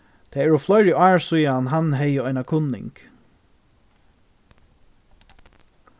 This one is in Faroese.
tað eru fleiri ár síðan hann hevði eina kunning